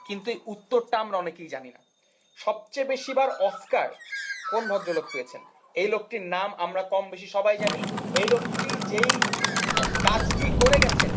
কিন্তু এই উত্তরটা আমরা অনেকেই জানিনা সবচেয়ে বেশিবার অস্কার কোন ভদ্রলোক পেয়েছেন এই লোকটির নাম আমরা কমবেশি সবাই জানি এই লোকটি যে এই কাজটি করে গেছেন